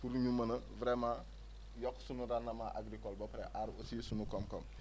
pour ñu mën a vraiment yokk sunu rendement agricole ba pare aar aussi sunu koom-koom